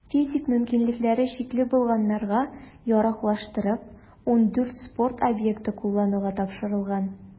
Физик мөмкинлекләре чикле булганнарга яраклаштырып, 14 спорт объекты куллануга тапшырылган.